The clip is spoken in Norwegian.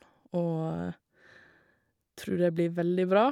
Og tror det blir veldig bra.